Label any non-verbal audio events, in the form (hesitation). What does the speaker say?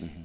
(hesitation) (hesitation)